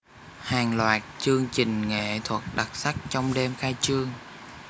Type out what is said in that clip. hàng loạt chương trình nghệ thuật đặc sắc trong đêm khai trương